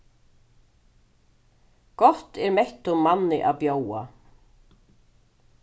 gott er mettum manni at bjóða